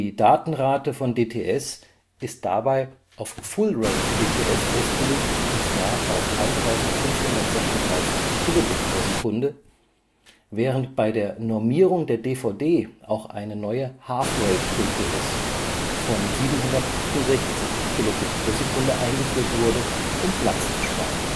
Datenrate von DTS ist dabei auf fullrate DTS festgelegt (1536 kbit/s), während bei der Normierung der DVD auch eine neue halfrate DTS von 768 kbit/s eingeführt wurde, um Platz zu sparen